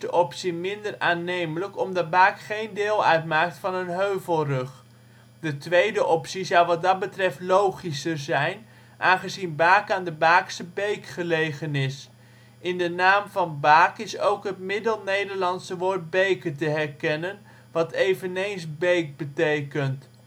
optie minder aannemelijk omdat Baak geen deel uitmaakt van een heuvelrug. De tweede optie zou wat dat betreft logischer zijn, aangezien Baak aan de Baakse beek gelegen is. In de naam van Baak is ook het Middelnederlandse woord ' beke ' te herkennen, wat eveneens ' beek ' betekent